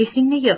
esingni yig'